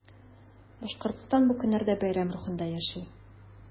Башкортстан бу көннәрдә бәйрәм рухында яши.